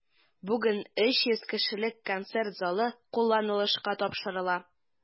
Бүген 300 кешелек концерт залы кулланылышка тапшырыла.